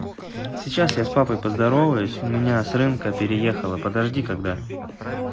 сейчас я с папой поздороваюсь у меня с рынка переехала подожди когда